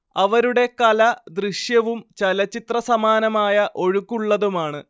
അവരുടെ കല ദൃശ്യവും ചലച്ചിത്രസമാനമായ ഒഴുക്കുള്ളതുമാണ്‌